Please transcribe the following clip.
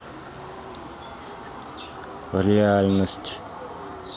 реальность